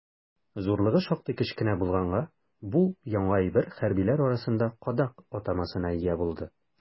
Зурлыгы шактый кечкенә булганга, бу яңа әйбер хәрбиләр арасында «кадак» атамасына ия булды.